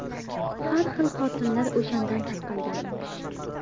har xil xotinlar o'shandan tarqalgan emish